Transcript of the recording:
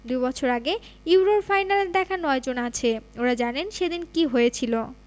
দুই বছর আগে ইউরোর ফাইনালে খেলা ৯ জন আছে ওরা জানে সেদিন কী হয়েছিল